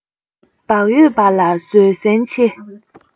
བག ཡོད པ ལ བཟོད སྲན ཆེ